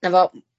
'Na fo.